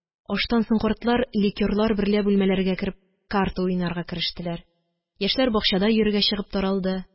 Аштан соң картлар, ликёрлар берлә бүлмәләргә кереп, карта уйнарга керештеләр. Яшьләр бакчада йөрергә чыгып таралды